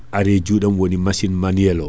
ari e juuɗam woni machine manuelle o